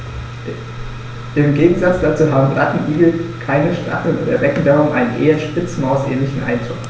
Im Gegensatz dazu haben Rattenigel keine Stacheln und erwecken darum einen eher Spitzmaus-ähnlichen Eindruck.